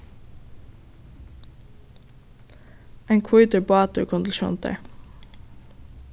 ein hvítur bátur kom til sjóndar